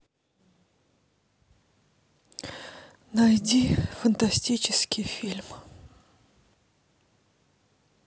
найди фантастический фильм